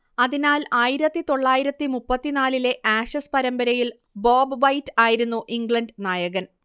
അതിനാൽ ആയിരത്തിതൊള്ളായിരത്തി മുപ്പത്തിനാലിലെ ആഷസ് പരമ്പരയിൽ ബോബ് വൈറ്റ് ആയിരുന്നു ഇംഗ്ലണ്ട് നായകൻ